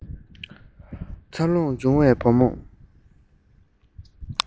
རྒྱ ནག གི གྲོང ཁྱེར